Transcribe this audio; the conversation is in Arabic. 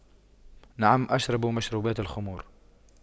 نعم أشرب مشروبات الخمور